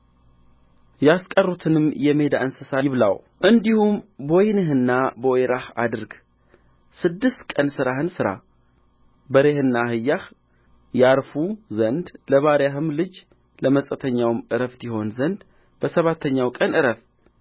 ያስቀሩትንም የሜዳ እንስሳ ይብላው እንዲሁም በወይንህና በወይራህ አድርግ ስድስት ቀን ሥራህን ሥራ በሬህና አህያህ ያርፉ ዘንድ ለባሪያህም ልጅ ለመጻተኛውም ዕረፍት ይሆን ዘንድ በሰባተኛው ቀን ዕረፍ